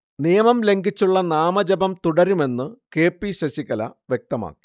നിയമം ലംഘിച്ചുള്ള നാമജപം തുടരുമെന്ന് കെ പി ശശികല വ്യക്തമാക്കി